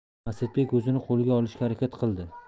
asadbek o'zini qo'lga olishga harakat qildi